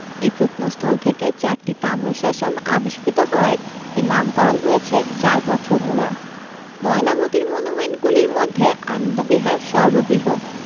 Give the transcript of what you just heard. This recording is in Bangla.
এই প্রত্নস্থল থেকে চারটি তাম্রশাসন আবিষ্কৃত হওয়ায় এর নামকরণ হয়েছে চারপত্র মুরা ময়নামতীর মনুমেন্টগুলির মধ্যে আনন্দবিহার সর্ববৃহৎ